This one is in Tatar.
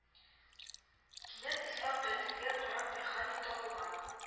Кинәт ислам бәдригә карап меха-а-ник табылган